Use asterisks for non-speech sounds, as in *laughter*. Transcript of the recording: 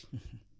*hesitation* *hesitation*